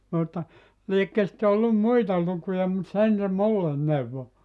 mutta liekö sitten ollut muita lukuja mutta sen se minulle neuvoi